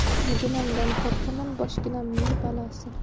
tilginamdan qo'rqaman boshginamnnig balosi